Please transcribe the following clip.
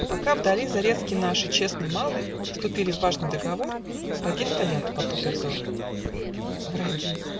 Пока вдали Зарецкий наш и честный малый Вступили в важный договор, Враги стоят, потупя взор. Враги!